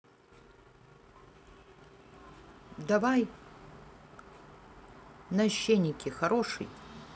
давай на щеники хороший